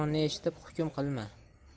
eshitib hukm qilma